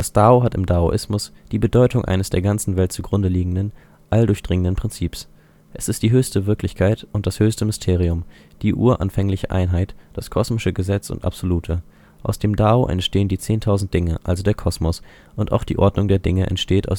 Dao hat im Daoismus die Bedeutung eines der ganzen Welt zugrunde liegenden, alldurchdringenden Prinzips. Es ist die höchste Wirklichkeit und das höchste Mysterium, die uranfängliche Einheit, das kosmische Gesetz und Absolute. Aus dem Dao entstehen die „ zehntausend Dinge “, also der Kosmos, und auch die Ordnung der Dinge entsteht